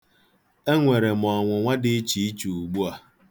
Enwere m ọnwụnwa dị iche iche ugbu a.